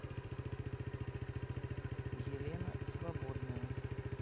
елена свободная